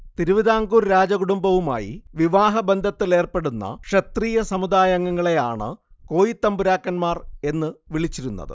തിരുവിതാംകൂർ രാജകുടുംബവുമായി വിവാഹബന്ധത്തിലേർപ്പെടുന്ന ക്ഷത്രിയ സമുദായാംഗങ്ങളെയാണ് കോയിത്തമ്പുരാക്കന്മാർ എന്നു വിളിച്ചിരുന്നത്